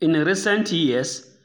In recent years,